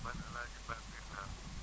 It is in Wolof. man El Hadj Ba laa tudd